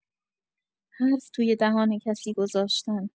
حرف توی دهان کسی گذاشتن